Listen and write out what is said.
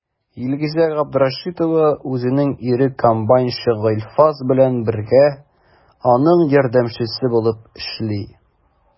Илгизә Габдрәшитова үзенең ире комбайнчы Гыйльфас белән бергә, аның ярдәмчесе булып эшли.